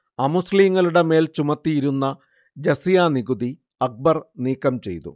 അമുസ്ലീങ്ങളുടെ മേൽ ചുമത്തിയിരുന്ന ജസിയ നികുതി അക്ബർ നീക്കംചെയ്തു